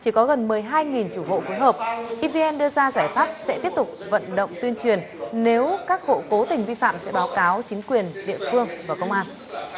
chỉ có gần mười hai nghìn chủ hộ phối hợp i vi en đưa ra giải pháp sẽ tiếp tục vận động tuyên truyền nếu các hộ cố tình vi phạm sẽ báo cáo chính quyền địa phương và công an